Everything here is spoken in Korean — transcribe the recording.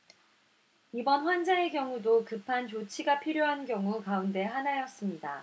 이번 환자의 경우도 급한 조치가 필요한 경우 가운데 하나였습니다